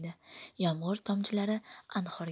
yomg'ir tomchilari anhorga unsiz shivillab tushadi